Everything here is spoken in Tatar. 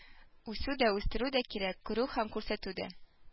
Үсү дә үстерү дә кирәк, күрү һәм күрсәтү дә.